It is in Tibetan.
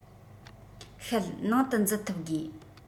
ཤད ནང དུ འཛུལ ཐུབ དགོས